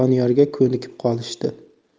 doniyorga ko'nikib qolishdi